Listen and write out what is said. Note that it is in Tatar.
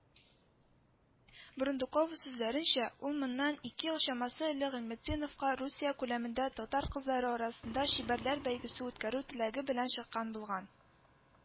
Брундукова сүзләренчә, ул моннан ике ел чамасы элек Гыйлметдиновка Русия күләмендә татар кызлары арасында чибәрләр бәйгесе үткәрү теләге белән чыккан булган